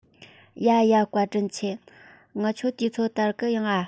ཡ ཡ བཀའ དྲིན ཆེ ངི ཆོ དུས ཚོད ལྟར གི ཡོང ང